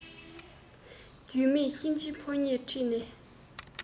རྒྱུས མེད གཤིན རྗེ ཕོ ཉས ཁྲིད ནས